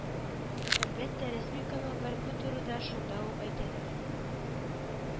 Әлбәттә, рәсми каналлар бу турыда шунда ук әйтәләр